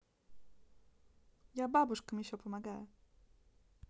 я бабушкам еще помогаю